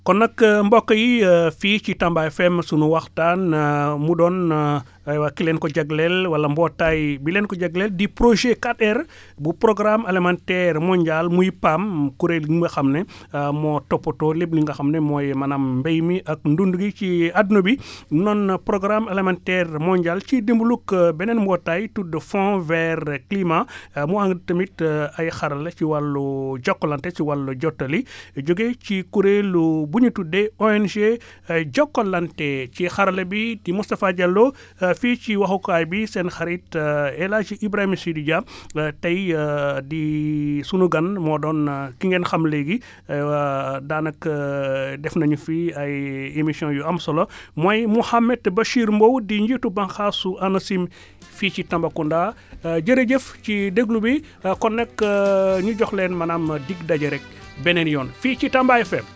kon nag mbokk yi fii ci Tamba FM sunu waxtaan mu doon aywa ki leen ko jagleel wala mbootaay bi leen ko jagle di projet 4R bu programme alimentaire mondial muy PAM kuréel bi nga xam ne moo toppatoo lépp li nga xam ne mooy maanaam mbay mi ak ndund mi ci adduna bi noon programme alimentaire mondial ci dimbalug beneen mbootaay tudd Fond vert climat mu ànda tamit ay xarala ci wàllu Jokalante ci wàllu jottali jógee ci kuréelu bu ñuy tuddee ONG Jokalante ci xarale bi Moustapha Diallo fii ci waxukaay bi seen xarit El Hadj Ibrahima Saïdou Dia tay di sunu gan moo doon ki ngeen xam léegi daanaka def nañu fi ay ay émissions yu am solo mooy Mouhamed Bachir Mbow di njiitu bànqaasu ANACIM fii ci Tambacounda jërëjëf ci déglu bi kon nag ñu jox leen maanaam dig daje rekk beneen yoon fii ci Tamba FM